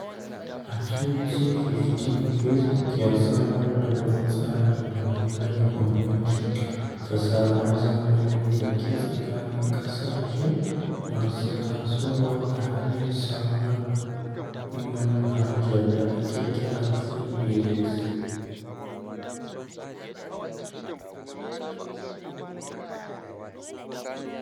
A 2015, Facebook ya samar da wani tsari domin rage bambancin fasahar zamanin da yake tsakanin ƙasashe masu tasowa ta hanyar samar manhajar da ake kira ''Free Basic''.